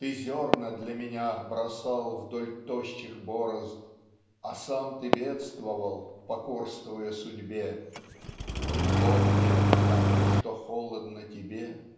Ты зерна для меня бросал вдоль тощих борозд А сам ты бедствовал покорствуя судьбе -- Тепло мне потому что холодно тебе.